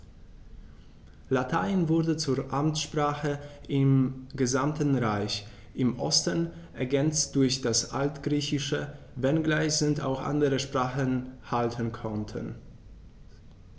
Latein wurde zur Amtssprache im gesamten Reich (im Osten ergänzt durch das Altgriechische), wenngleich sich auch andere Sprachen halten konnten.